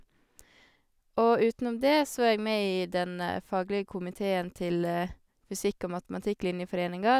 Og utenom det så er jeg med i den faglige komiteen til fysikk- og matematikklinjeforeninga.